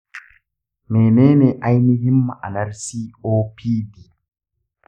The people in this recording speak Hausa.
menene ainihin ma'anar copd?